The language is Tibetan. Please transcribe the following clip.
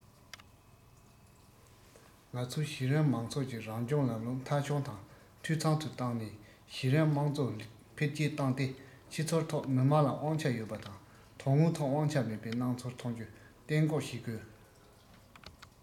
ང ཚོས གཞི རིམ མང ཚོགས ཀྱི རང སྐྱོང ལམ ལུགས མཐའ འཁྱོངས དང འཐུས ཚང དུ བཏང ནས གཞི རིམ དམངས གཙོ འཕེལ རྒྱས བཏང སྟེ ཕྱི ཚུལ ཐོག མི དམངས ལ དབང ཆ ཡོད པ དང དོན དངོས ཐོག དབང ཆ མེད པའི སྣང ཚུལ ཐོན རྒྱུ གཏན འགོག བྱེད དགོས